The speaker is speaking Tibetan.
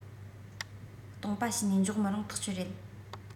སྟོང པ བྱོས ནས འཇོག མི རུང ཐག ཆོད རེད